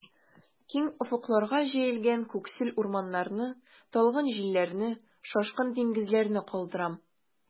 Киң офыкларга җәелгән күксел урманнарны, талгын җилләрне, шашкын диңгезләрне калдырам.